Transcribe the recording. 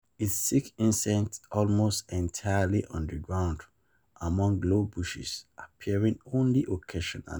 It seeks insects almost entirely on the ground among low bushes, appearing only occasionally.